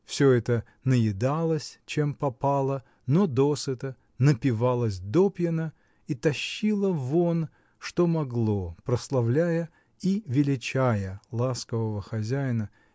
все это наедалось чем попало, но досыта, напивалось допьяна и тащило вон что могло, прославляя и величая ласкового хозяина